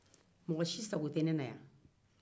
mɔgɔsi sago tɛ ne na yan